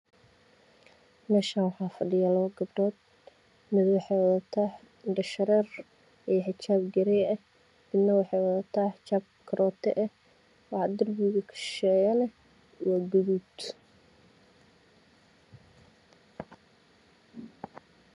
me Shan waxa fa dhiyo laba geb dhood mid waxey wadataa in dha sharer iya xijaab garey ah mid na waxey wadataa xijaab karoto ah waxa dirbiga sha sheya le wa gudud